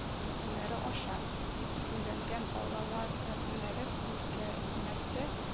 Рәсемнәре аша” дип исемләнгән балалар рәсемнәре күр гәзмәсе